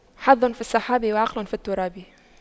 حظ في السحاب وعقل في التراب